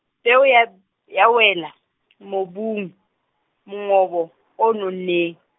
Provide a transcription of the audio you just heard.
peo ya, ya wela , mobung, mongobo o nonneng.